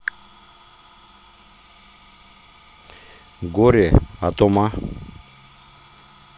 горе от ума